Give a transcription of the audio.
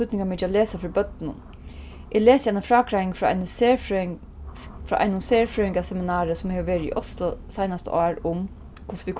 týdningarmikið at lesa fyri børnum eg lesi eina frágreiðing frá eini frá einum serfrøðingaseminari sum hevur verið í oslo seinasta ár um hvussu vit